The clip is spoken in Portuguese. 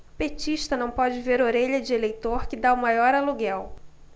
petista não pode ver orelha de eleitor que tá o maior aluguel